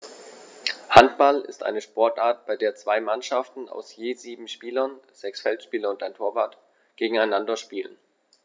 Handball ist eine Sportart, bei der zwei Mannschaften aus je sieben Spielern (sechs Feldspieler und ein Torwart) gegeneinander spielen.